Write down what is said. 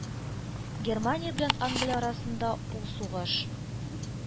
Германия белән Англия арасындагы ул сугыш